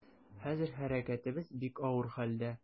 Хәзер хәрәкәтебез бик авыр хәлдә.